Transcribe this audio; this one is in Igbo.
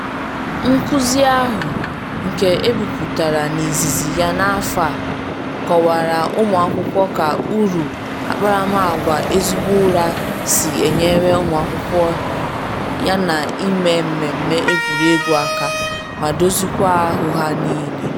Nkuzi ahụ, nke ebupụtara n’izizi ya n’afọ a, kọwaara ụmụ akwụkwọ ka uru akparamagwa ezigbo ụra si enyere agumakwụkwọ yana ime mmemme egwuregwu aka, ma dozikwaa ahụ ha niile.